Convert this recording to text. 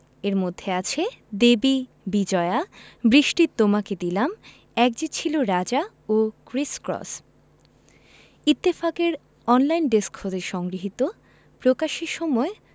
এর মধ্যে আছে দেবী বিজয়া বৃষ্টি তোমাকে দিলাম এক যে ছিল রাজা ও ক্রিস ক্রস ইত্তেফাক এর অনলাইন ডেস্ক হতে সংগৃহীত প্রকাশের সময়